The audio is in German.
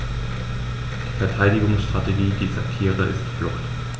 Die Verteidigungsstrategie dieser Tiere ist Flucht.